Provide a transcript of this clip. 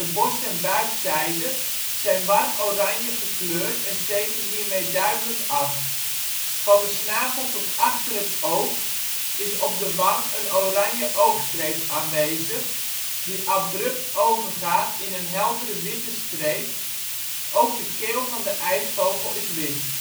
borst en buikzijde zijn warm oranje gekleurd en steken hiermee duidelijk af. Van de snavel tot achter het oog is op de wang een oranje oogstreep aanwezig, die abrupt overgaat in een heldere witte streep, ook de keel van de ijsvogel is wit